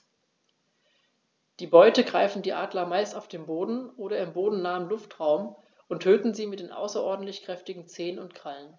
Die Beute greifen die Adler meist auf dem Boden oder im bodennahen Luftraum und töten sie mit den außerordentlich kräftigen Zehen und Krallen.